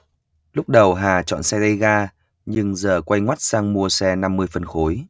lúc đầu hà chọn xe tay ga nhưng giờ quay ngoắt sang mua xe năm mươi phân khối